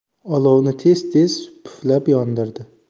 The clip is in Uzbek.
olovni tez tez puflab yondirdi